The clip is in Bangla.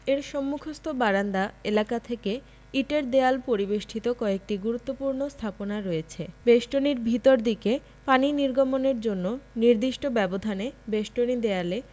এর সম্মুখস্থ বারান্দা এলাকা থেকে ইটের দেয়াল পরিবেষ্টিত কয়েকটি গুরুত্বপূর্ণ স্থাপনা রয়েছে বেষ্টনীর ভিতর দিকে পানি নির্গমের জন্য নির্দিষ্ট ব্যবধানে বেষ্টনী দেয়ালে